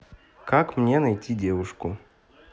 как мне найти девушку